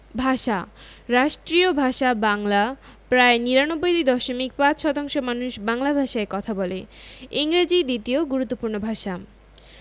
ভাষাঃ রাষ্ট্রীয় ভাষা বাংলা প্রায় ৯৯দশমিক ৫শতাংশ মানুষ বাংলা ভাষায় কথা বলে ইংরেজি দ্বিতীয় গুরুত্বপূর্ণ ভাষা